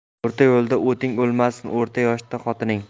o'rta yo'lda oting o'lmasin o'rta yoshda xotining